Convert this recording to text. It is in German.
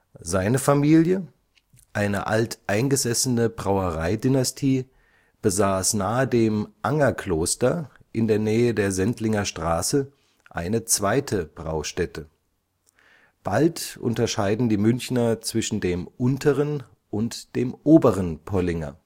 Seine Familie, eine alt eingesessene Brauerei-Dynastie, besaß nahe dem Angerkloster, in der Nähe der Sendlinger Straße, eine zweite Braustätte. Bald unterscheiden die Münchner zwischen dem „ Unteren “und dem „ Oberen “Pollinger